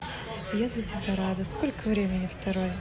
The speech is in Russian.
я за тебя рада сколько времени второй